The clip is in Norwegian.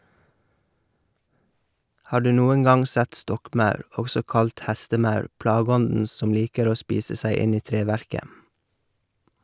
Har du noen gang sett stokkmaur, også kalt hestemaur, plageånden som liker å spise seg inn i treverket?